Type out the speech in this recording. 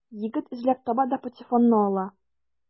Егет эзләп таба да патефонны ала.